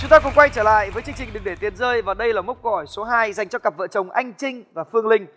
chúng ta cùng quay trở lại với chương trình đừng để tiền rơi và đây là mốc câu hỏi số hai dành cho cặp vợ chồng anh trinh và phương linh